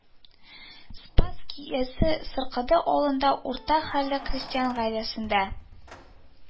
Спасский өязе Сыркыды авылында урта хәлле крәстиян гаиләсендә